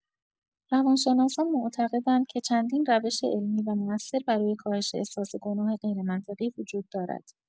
روان‌شناسان معتقدند که چندین روش علمی و موثر برای کاهش احساس گناه غیرمنطقی وجود دارد.